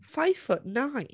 Five foot nine.